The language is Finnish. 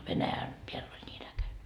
Venäjän päälle oli niin äkäinen